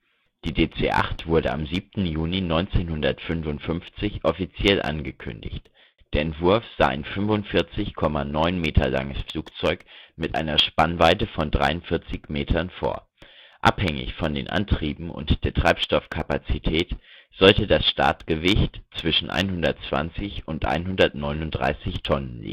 Die DC-8 wurde am 7. Juni 1955 offiziell angekündigt. Der Entwurf sah ein 45,90 m langes Flugzeug mit einer Spannweite von 43 m vor. Abhängig von den Antrieben und der Treibstoffkapazität sollte das Startgewicht zwischen 120 und 139 Tonnen